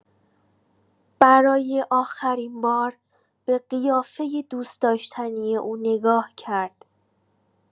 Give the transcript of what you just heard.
برای آخرین‌بار به قیافه دوست‌داشتنی او نگاه کرد.